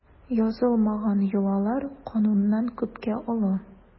Язылмаган йолалар кануннан күпкә олы.